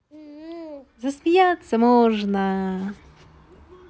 засмеяться можно